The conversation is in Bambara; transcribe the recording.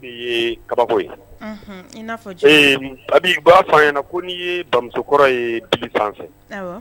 Ye kaba ai ba faamuya ko n'i ye bamusokɔrɔ ye di sanfɛ